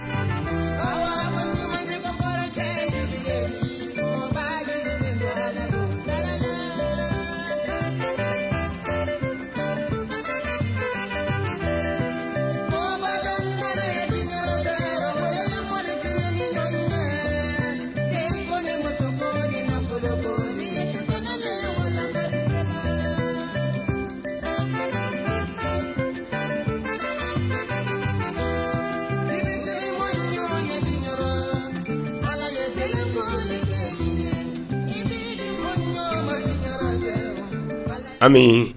Wa